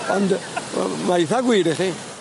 Ond yy ma' ma' eitha gwir i chi.